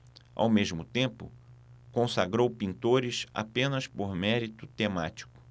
ao mesmo tempo consagrou pintores apenas por mérito temático